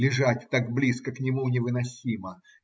Лежать так близко к нему невыносимо.